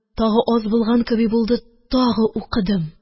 Тагы аз булган кеби булды, тагы укыдым